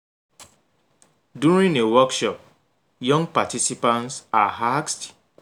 During a workshop, young participants are asked: